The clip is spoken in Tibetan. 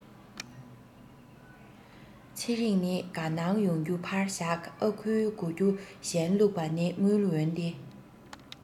ཚེ རིང ནི དགའ སྣང ཡོང རྒྱུ ཕར བཞག ཨ ཕའི གོ རྒྱུ གཞན བླུག པ ནི དངུལ འོན ཏེ